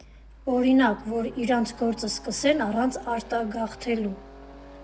Օրինակ՝ որ իրանց գործը սկսեն առանց արտագաղթելու։